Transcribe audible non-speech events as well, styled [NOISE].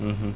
[HESITATION] [HESITATION]